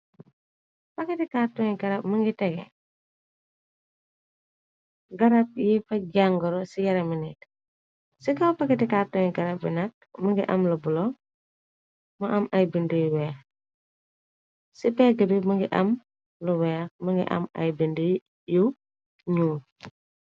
Paketi kartuni garab më ngi tege, garab yi faj jàngoro ci yaram mi nit, ci kaw paketi kartun-garab bi nak, më ngi am lu bula, mu am ay binde yu weex, ci pegg bi më ngi am lu weex, më ngi am ay binde yu ñuul.